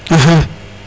axa